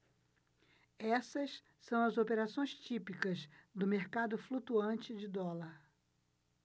essas são as operações típicas do mercado flutuante de dólar